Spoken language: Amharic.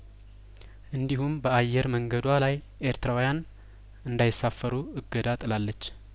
እንዲሁም በአየር መንገዷ ላይ ኤርትራውያን እንዳይሳ ፈሩ እገዳ ጥላለች